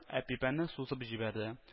Әпипәне сузып җибәрде